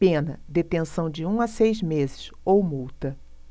pena detenção de um a seis meses ou multa